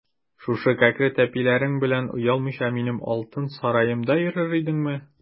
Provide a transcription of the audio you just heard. Шушы кәкре тәпиләрең белән оялмыйча минем алтын сараемда йөрер идеңме?